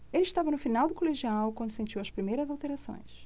ele estava no final do colegial quando sentiu as primeiras alterações